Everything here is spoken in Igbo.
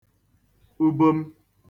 ubom